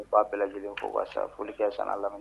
N ba bɛɛ lajɛlen fo' foli kɛ san laminɛ